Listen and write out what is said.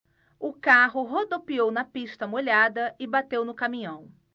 o carro rodopiou na pista molhada e bateu no caminhão